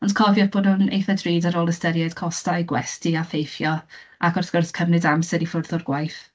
Ond cofiwch bod o'n eithaf drud ar ôl ystyried costau gwesty a theithio, ac wrth gwrs cymryd amser i ffwrdd o'r gwaith.